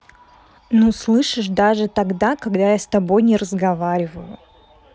ну слышишь даже тогда когда я с тобой не разговариваю